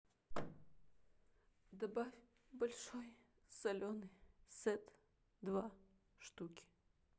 добавь большой соленый сет два штуки